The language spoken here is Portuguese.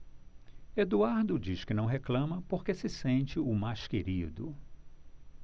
eduardo diz que não reclama porque se sente o mais querido